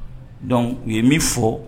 Dɔnkuc u ye min fɔ